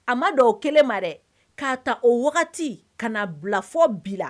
A ma dɔn o kelen ma dɛ k'a ta o wagati ka na bilafɔ bila la